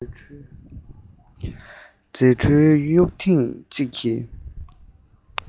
རྫས འཕྲུལ གཡུགས ཐེངས གཅིག གིས